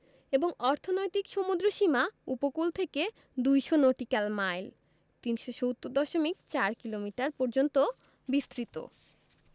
এবং অর্থনৈতিক সমুদ্রসীমা উপকূল থেকে ২০০ নটিক্যাল মাইল ৩৭০ দশমিক ৪ কিলোমিটার পর্যন্ত বিস্তৃত